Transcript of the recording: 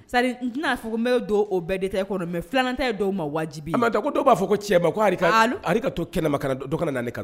Sari n tɛna'a ko n bɛ don o bɛɛ de kɔnɔ mɛ filantan dɔw' ma wajibi a ko dɔw b'a fɔ ko cɛ ma ko ka to kɛlɛ don kana na kan